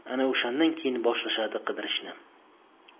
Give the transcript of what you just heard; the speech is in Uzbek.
na ushandan keyin boshlashadi qidirishni